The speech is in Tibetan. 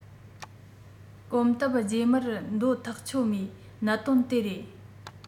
གོམ སྟབས རྗེས མར འདོད ཐག ཆོད མེད གནད དོན དེ རེད